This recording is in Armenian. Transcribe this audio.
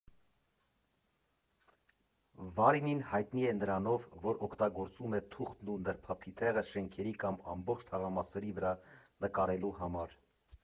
Վարինին հայտնի է նրանով, որ օգտագործում է թուղթն ու նրբաթիթեղը շենքերի կամ ամբողջ թաղամասերի վրա նկարելու համար։